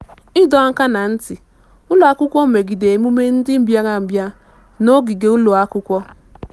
Ịdọ aka na ntị ụlọakwụkwọ megide emume ndị mbịarambịa n'ogige ụlọakwụkwọ.